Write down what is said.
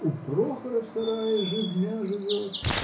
— у Прохора в сарае живмя живет.